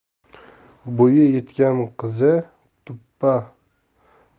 bo'yi yetgan qizi to'ppa